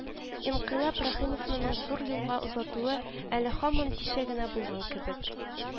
—инкыйлаб рәхимовнаның зур юлга озатуы әле һаман кичә генә булган кебек…